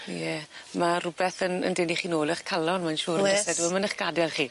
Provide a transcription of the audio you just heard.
Ie ma' rwbeth yn yn denu chi nôl 'ych calon mae'n siŵr... Wes. ...yndo's e dyw e ddim yn 'ych gad'el chi.